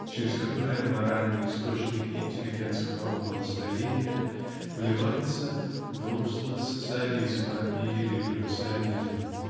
через которые моральный источник интеллигентского умонастроения вливается в русло социализма и революционизма.